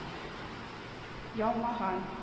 Яумаган